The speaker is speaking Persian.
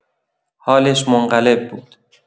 حالش منقلب بود.